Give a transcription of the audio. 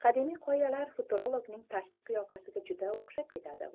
qadimiy qoyalar futurologning tashqi qiyofasiga juda o'xshab ketadi